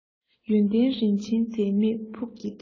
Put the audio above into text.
ཡོན ཏན རིན ཆེན འཛད མེད ཕུགས ཀྱི གཏེར